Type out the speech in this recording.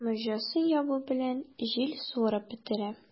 Морҗасын ябу белән, җил суырып бетерә.